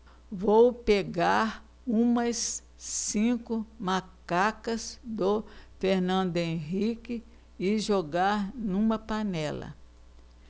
vou pegar umas cinco macacas do fernando henrique e jogar numa panela